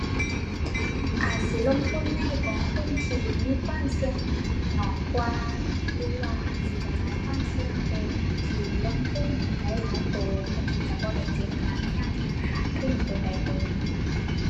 อาจสิลงทุนในกองทุนที่มีความเสี่ยงน้อยกว่าหรือว่าอาจสิกระจายความเสี่ยงโดยการที่ลงทุนหลายหลายตัว เพื่อที่จะบ่ได้เจ็บหนัก ยามที่มันขาดทุนตัวใดตัวหนึ่ง